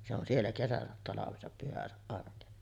se on siellä kesänsä talvensa pyhänsä arkensa